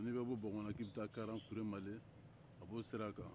n'i bɛ bɔ bankumana karan kuremale a b'o sira kan